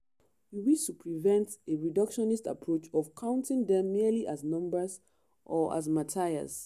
We wish to prevent a reductionist approach of counting them merely as numbers or as martyrs.